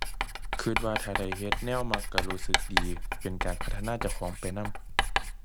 คิดว่าถ้าได้เฮ็ดแนวมักคิดรู้สึกดี เป็นการพัฒนาเจ้าของไปนำ